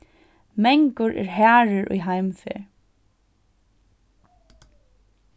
mangur er harður í heimferð